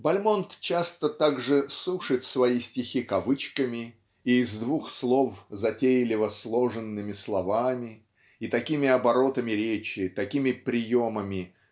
Бальмонт часто также сушит свои стихи кавычками и из двух слов затейливо сложенными словами и такими оборотами речи такими приемами